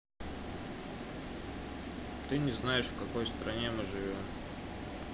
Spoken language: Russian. ты не знаешь в какой стране мы живем